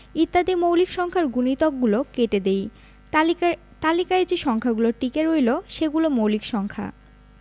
ইত্যাদি মৌলিক সংখ্যার গুণিতকগুলো কেটে দিই তালিকা তালিকায় যে সংখ্যাগুলো টিকে রইল সেগুলো মৌলিক সংখ্যা